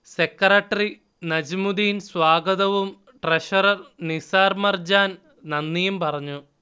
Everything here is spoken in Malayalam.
സെക്രട്ടറി നജ്മുദ്ധീൻ സ്വാഗതവും ട്രഷറർ നിസാർ മർജാൻ നന്ദിയും പറഞ്ഞു